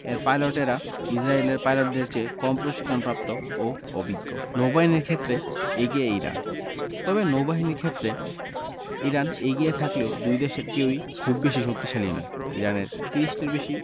এর পাইলটেরা ইসরায়েলের পাইলটদের চেয়ে কম প্রশিক্ষণপ্রাপ্ত ও অভিজ্ঞ নৌবাহিনীর ক্ষেত্রে এগিয়ে ইরান তবে নৌবাহিনীর ক্ষেত্রে ইরান এগিয়ে থাকলেও দুই দেশের কেউই খুব বেশি শক্তিশালী নয় ইরানের ৩০টির বেশি